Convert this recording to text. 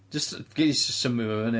Jyst- gei di jyst symio fo i fyny.